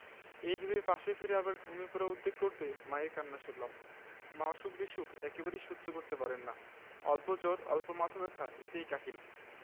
এই ভেবে পাশে ফিরে আবার ঘুমিয়ে পড়ার উদ্যোগ করতেই মায়ের কান্না শুনলাম মা অসুখ বিসুখ একেবারেই সহ্য করতে পারেন না অল্প জ্বর অল্প মাথা ব্যাথা এতেই কাহিল